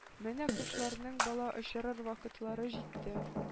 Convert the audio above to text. Менә кошларның бала очырыр вакытлары җитте.